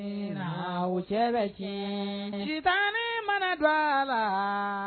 Ayiwa o cɛ cɛtan ne mana don a la